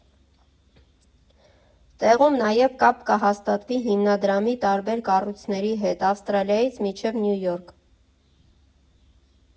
Տեղում նաև կապ կհաստատվի հիմնադրամի տարբեր կառույցների հետ՝ Ավստրալիայից մինչև Նյու Յորք։